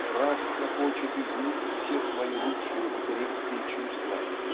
страстно хочет излить все свои лучшие материнские чувства